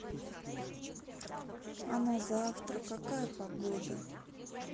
а на завтра какая погода